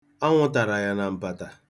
Anwụnta tara ya na mpata.